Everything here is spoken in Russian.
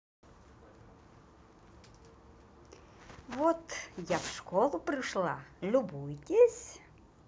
вот я в школу пришла любуйтесь